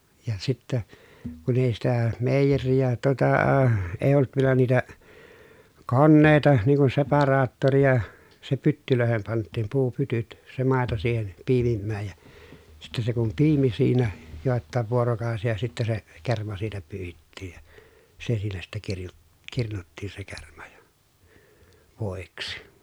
ja sitten kun ei sitä meijeriä tuota ei ollut vielä niitä koneita niin kuin separaattoria se pyttyihin pantiin puupytyt se maito siihen piimimään ja sitten se kun piimi siinä jotakin vuorokausia sitten se kerma siitä pyyhittiin ja se siinä sitten - kirnuttiin se kerma ja voiksi